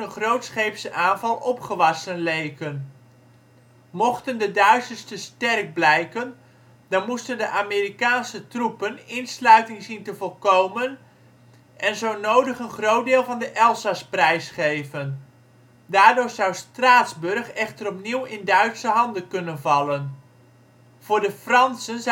grootscheepse aanval opgewassen leken. Mochten de Duitsers te sterk blijken, dan moesten de Amerikaanse troepen insluiting zien te voorkomen en zo nodig een groot deel van de Elzas prijsgeven. Daardoor zou Straatsburg echter opnieuw in Duitse handen kunnen vallen. Voor de Fransen